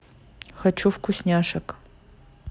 хочу вкусняшек